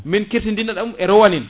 min kirtidina ɗam e rawane en